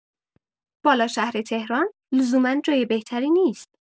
بالاشهر تهران لزوما جای بهتری نیست.